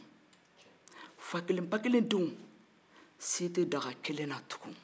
fa kelen ba kelen denw si tɛ daga kelen na tugun